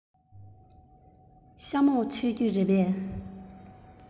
ཤ མོག མཆོད ཀྱི རེད པས